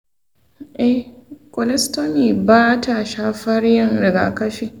eh, colostomy ba ta shafar yin rigakafi.